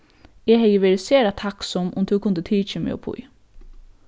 eg hevði verið sera takksom um tú kundi tikið meg uppí